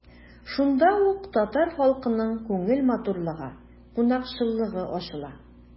Шунда ук татар халкының күңел матурлыгы, кунакчыллыгы ачыла.